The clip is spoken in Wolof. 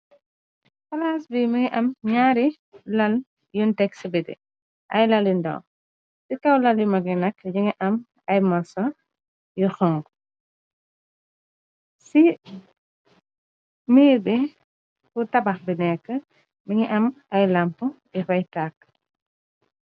Palaas bi mu ngi am ñaari lal yuñ tek si biti, ay lal yu daw. Si kow lal yu mag yi nak, ñyu ngi am ay morso yu xonxu, si miir bi, bu tabax bi nekkë ,mu ngi am ay lamp bu fay tàkk.